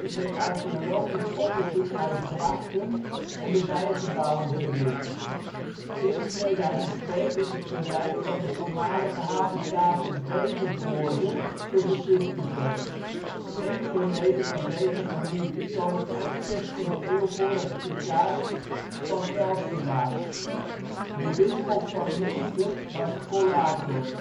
werd archeologisch onderzoek naar de grachten en de bijgebouwen verricht. Sinds 2002 is het terrein van de voormalige havezathe Bevervoorde te bezichtigen. Enkele leden van deze familie komen eind 16e eeuw voor als vicaris (kapelaan) van Gelselaar. De bisschop van Münster was collator